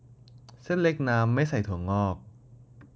เส้นเล็กน้ำไม่ใส่ถั่วงอก